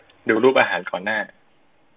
ดูรูปอาหารก่อนหน้า